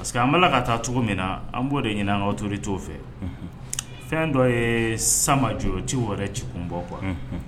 Parce que an bala ka taa cogo min na an b'o de ɲinin to to fɛ fɛn dɔ ye samajti wɛrɛ ci kun bɔ kuwa